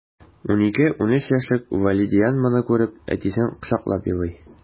12-13 яшьлек вәлидиан моны күреп, әтисен кочаклап елый...